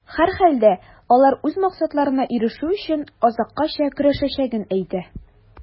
Һәрхәлдә, алар үз максатларына ирешү өчен, азаккача көрәшәчәген әйтә.